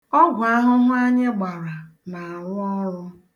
Ọgwụahụhụ anyị gbara na-arụ ọrụ.